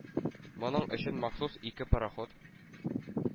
Моның өчен махсус ике пароход